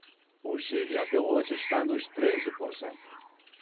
o chile até hoje está nos treze por cento